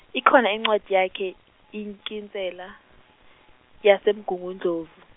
ikhona incwadi yakhe inkinsela, yaseMgungundlovu.